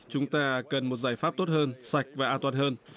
chúng ta cần một giải pháp tốt hơn sạch và an toàn hơn